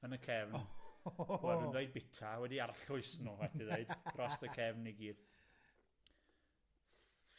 yn y cefn. Wel dwi'n dweud byta, wedi arllwys nw allai ddeud, dros y cefn i gyd.